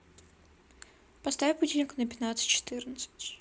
поставь будильник на пятнадцать четырнадцать